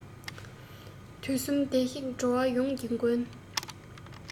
དུས གསུམ བདེར གཤེགས འགྲོ བ ཡོངས ཀྱི མགོན